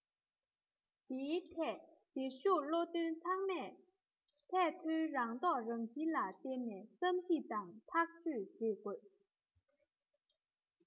དེའི ཐད འདིར བཞུགས བློ མཐུན ཚང མས ཚད མཐོའི རང རྟོགས རང བཞིན ལ བརྟེན ནས བསམ གཞིགས དང ཐག གཅོད བྱེད དགོས